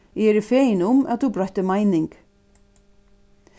eg eri fegin um at tú broytti meining